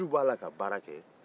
u b'a la ka baara kɛ